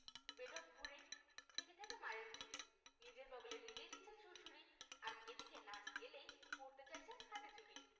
বেঢপ ভূঁড়ি থেকে থেকে মারেন তুড়ি নিজের বগলে নিজেই দিচ্ছেন সুড়সুড়ি আর এদিকে নার্স এলেই পরতে চাইছেন হাতে চুড়ি